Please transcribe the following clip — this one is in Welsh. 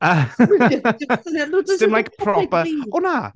Sdim like proper... O, na!